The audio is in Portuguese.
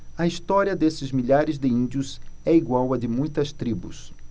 a história desses milhares de índios é igual à de muitas tribos